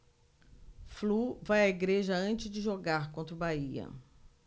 flu vai à igreja antes de jogar contra o bahia